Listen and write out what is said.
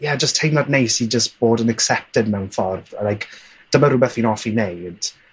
ie, jyst teimlad neis i jyst bod yn accepted mewn ffordd a like dyma rwbeth fi'n offi neud.